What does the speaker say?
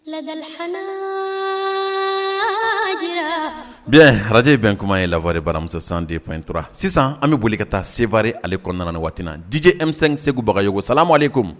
Bien radio ye Bɛn kuma ye La voix de baaramuso 102.3. Sisan an bɛ boli ka taa seware ale kɔnɔna na nin waati in na DJ M5 Segu Bagayogo Salamalekoum